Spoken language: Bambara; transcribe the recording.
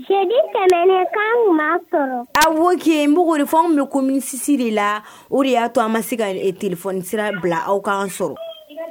Z tɛmɛnkan ma sɔrɔ a wo npogofɛnw bɛ komisisi de la o de y'a to an ma se ka t sira bila aw kan sɔrɔ